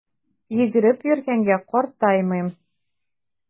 Йөгереп йөргәнгә картаймыйм!